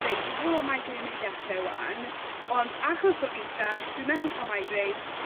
reit dwi'n gw'o' bo migraine yn myn' i ddechre 'wan ond achos bo' fi'n stressed dwi methu ca'l migraine